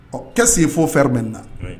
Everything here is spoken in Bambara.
Ɔ kɛ sen fo fɛrɛ bɛ na